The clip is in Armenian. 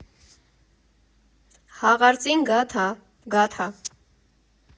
Հաղարծին գաթա գաթա։